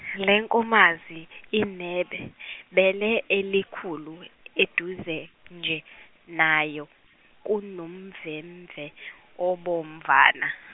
lenkomazi inebe bele elikhulu eduze nje nayo kunomvemve obomvana.